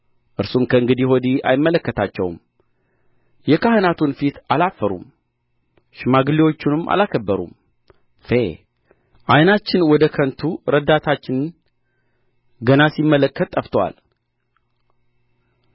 እርሱም ከእንግዲህ ወዲህ አይመለከታቸውም የካህናቱን ፊት አላፈሩም ሽማግሌዎቹንም አላከበሩም ፌ ዓይናችን ወደ ከንቱ ረዳታችን ገና ሲመለከት ጠፍቶአል